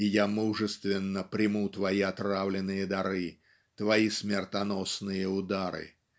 и я мужественно приму твои отравленные дары твои смертоносные удары